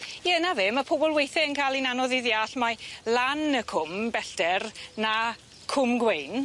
Ie 'na fe ma' pobol weithe yn ca'l 'i'n anodd i ddeall mae lan y cwm bellter na Cwm Gwein.